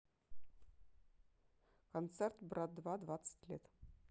концерт брат два двадцать лет